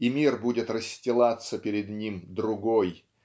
и мир будет расстилаться перед ним другой